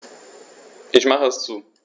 Ich mache es zu.